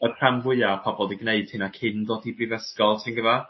...yr rhan fwya o pobol 'di gneud hynna cyn ddod i brifysgol ti'n gwbo?